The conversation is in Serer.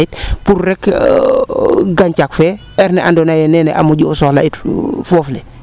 pour rek gancax fee ando anye neen a moƴu soxla it foof le